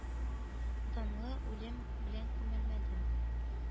Данлы үлем белән күмәлмәдем